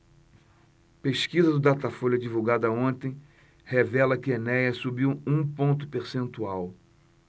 pesquisa do datafolha divulgada ontem revela que enéas subiu um ponto percentual